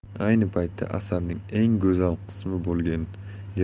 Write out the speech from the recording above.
ayni paytda asarning eng go'zal qismi bo'lgan